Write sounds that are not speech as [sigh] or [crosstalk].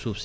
[hesitation] [hesitation]